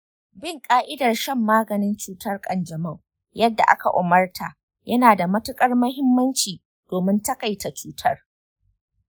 bin ƙa'idar shan maganin cutar ƙanjamau yadda aka umarta yana da matuƙar muhimmanci domin taƙaita cutar.